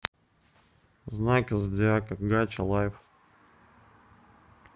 знаки зодиака gacha life